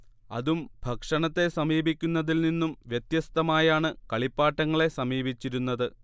അതും ഭക്ഷണത്തെ സമീപിക്കുന്നതിൽ നിന്നും വ്യത്യസ്തമായാണ് കളിപ്പാട്ടങ്ങളെ സമീപിച്ചിരുന്നത്